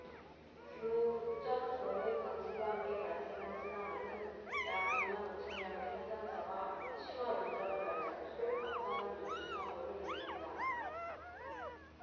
규모 구 쩜 공 의 강진과 함께 발생한 쓰나미는 약 이 만 오천 명의 사상자와 후쿠시마 원자력발전소 방사능 누출 사고를 일으켰다